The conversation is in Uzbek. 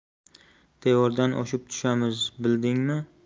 devordan oshib tushamiz bildingmi